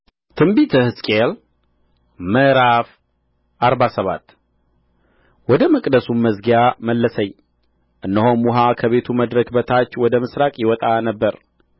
በትንቢተ ሕዝቅኤል ምዕራፍ አርባ ሰባት ወደ መቅደሱም መዝጊያ መለሰኝ እነሆም ውኃ ከቤቱ መድረክ በታች ወደ ምሥራቅ ይወጣ ነበር